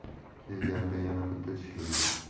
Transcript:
kelganida yana bitta tishlaydi